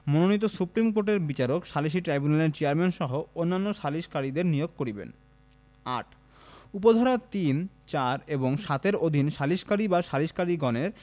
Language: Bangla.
মনোনীত সুপ্রীম কোর্টের বিচারক সালিসী ট্রাইব্যুনালের চেয়ারম্যানসহ অন্যান্য সালিসকারীদের নিয়োগ করিবেন ৮ উপ ধারা ৩ ৪ এবং ৭ এর অধীন সালিসকারী বা সালিসকারীগণের